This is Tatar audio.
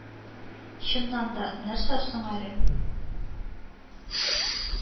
Чыннан да, нәрсә соң әле